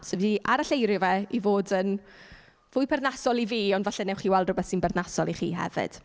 So, fi di arall-eirio fe i fod yn fwy perthnasol i fi, ond falle wnewch chi weld rywbeth sy'n perthnasol i chi hefyd.